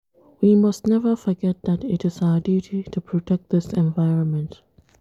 We must never forget that it is our duty to protect this environment.